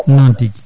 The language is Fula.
noon tigui